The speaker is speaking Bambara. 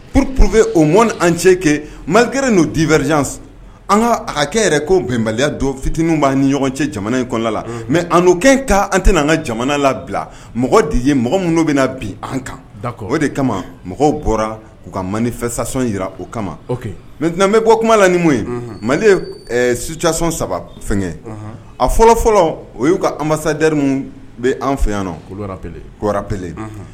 Ppurpbe o mɔn an cɛ kɛ malikɛ n' dijan an ka a kakɛ yɛrɛ ko bɛnbaliya don fitinin b'a ni ɲɔgɔn cɛ jamana in kɔn la mɛ an ta an tɛna anan ka jamana labila mɔgɔ de ye mɔgɔ minnu bɛna na bi an kan o de kama mɔgɔw bɔra'u ka mali fɛn sasɔn jira o kama mɛtbe bɔ kuma la ni ye mali suc saba fɛn a fɔlɔ fɔlɔ o y'u ka an masari bɛ an fɛ yan pe pe